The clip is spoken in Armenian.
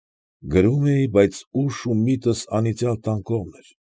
Գրում էի, բայց ուշ ու միտքս անիծյալ տան կողմն էր։